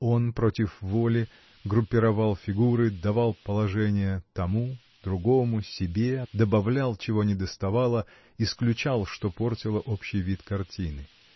Он, против воли, группировал фигуры, давал положение тому, другому, себе, добавлял, чего недоставало, исключал, что портило общий вид картины.